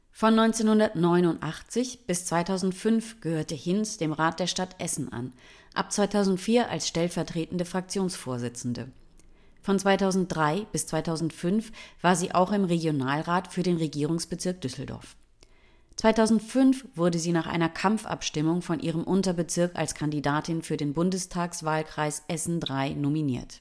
Von 1989 bis 2005 gehörte Hinz dem Rat der Stadt Essen an, ab 2004 als stellvertretende Fraktionsvorsitzende. Von 2003 bis 2005 war sie auch im Regionalrat für den Regierungsbezirk Düsseldorf. 2005 wurde sie nach einer Kampfabstimmung von ihrem Unterbezirk als Kandidatin für den Bundestagswahlkreis Essen III nominiert